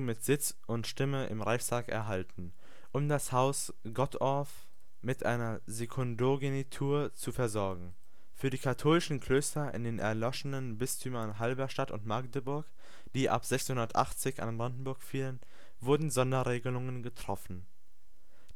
mit Sitz und Stimme im Reichstag erhalten, um das Haus Gottorf mit einer Sekundogenitur zu versorgen. Für die katholischen Klöster in den erloschenen Bistümern Halberstadt und Magdeburg, die ab 1680 an Brandenburg fielen, wurden Sonderregelungen getroffen.